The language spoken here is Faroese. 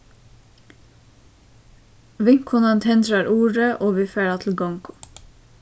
vinkonan tendrar urið og vit fara til gongu